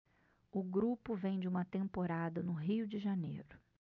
o grupo vem de uma temporada no rio de janeiro